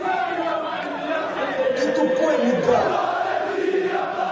ты тупой мудак